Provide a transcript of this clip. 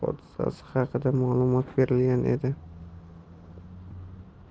boshqa yth haqida ma'lumot berilgan edi